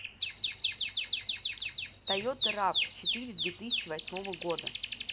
toyota raw четыре две тысячи восьмого года